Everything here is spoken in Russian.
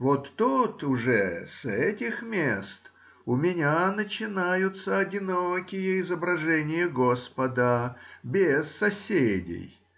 вот тут уже, с этих мест у меня начинаются одинокие изображения господа, без соседей.